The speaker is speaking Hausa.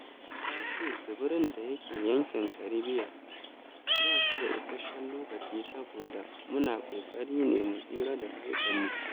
Ta ce tsibirin da ke yankin Karibiya "ba shi da isasshen lokaci saboda [mu na] ƙoƙari ne mu tsira da rayukanmu".